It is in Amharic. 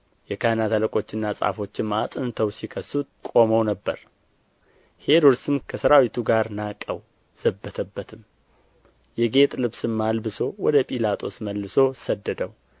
የካህናት አለቆችና ጻፎችም አጽንተው ሲከሱት ቆመው ነበር ሄሮድስም ከሠራዊቱ ጋር ናቀው ዘበተበትም የጌጥ ልብስም አልብሶ ወደ ጲላጦስ መልሶ ሰደደው